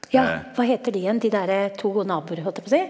ja, hva heter de igjen de derre to naboer holdt jeg på å si?